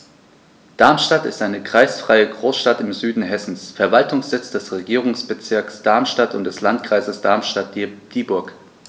Darmstadt ist eine kreisfreie Großstadt im Süden Hessens, Verwaltungssitz des Regierungsbezirks Darmstadt und des Landkreises Darmstadt-Dieburg.